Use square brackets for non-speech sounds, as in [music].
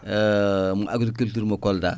[hesitation] mo agriculture mo Kolda